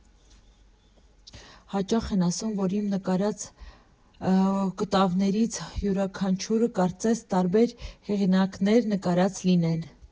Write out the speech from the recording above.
Հաճախ են ասում, որ իմ նկարած կտավներից յուրաքանչյուրը կարծես տարբեր հեղինակներ նկարած լինեն։